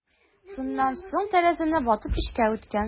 Шуннан соң ул тәрәзәне ватып эчкә үткән.